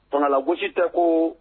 Fangala gosisi tɛ ko